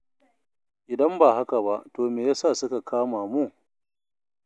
Idan ba haka ba, to me ya sa suka kama mu?